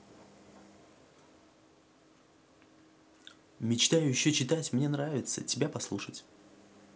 мечтаю еще читать мне нравится тебя послушать